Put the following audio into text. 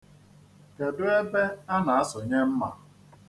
Kedụ ebe a na-asụnye mma?